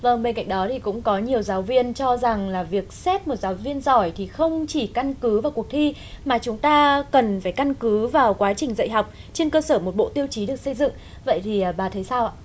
vâng bên cạnh đó thì cũng có nhiều giáo viên cho rằng là việc xét một giáo viên giỏi thì không chỉ căn cứ vào cuộc thi mà chúng ta cần phải căn cứ vào quá trình dạy học trên cơ sở một bộ tiêu chí được xây dựng vậy thì bà thấy sao ạ